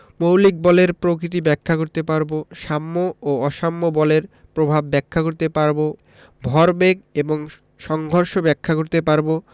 মৌলিক বলের প্রকৃতি ব্যাখ্যা করতে পারব সাম্য ও অসাম্য বলের প্রভাব ব্যাখ্যা করতে পারব ভরবেগ এবং সংঘর্ষ ব্যাখ্যা করতে পারব